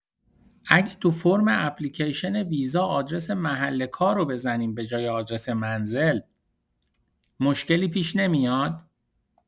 اگه تو فرم اپلیکشن ویزا ادرس محل کار و بزنیم به‌جای ادرس منزل، مشکلی پیش نمیاد؟